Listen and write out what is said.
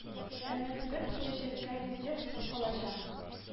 Әмма төбәк киләчәккә резервсыз калачак